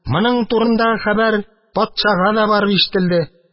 Моның турындагы хәбәр патшага да барып ишетелде.